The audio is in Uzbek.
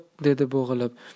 dedi bo'g'ilib